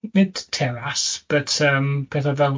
Nid t- teras but yym pethau fel